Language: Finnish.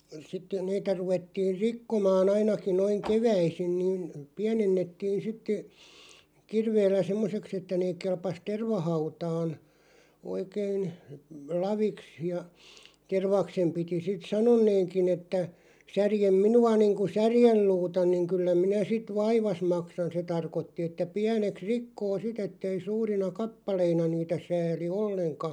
sitten niitä ruvettiin rikkomaan ainakin noin keväisin niin pienennettiin sitten kirveellä semmoiseksi että ne kelpasi tervahautaan oikein laviksi ja tervaksen piti sitten sanoneenkin että särje minua niin kuin särjenluuta niin kyllä minä sitten vaivasi maksan se tarkoitti että pieneksi rikkoo sitten että ei suurina kappaleina niitä sääli ollenkaan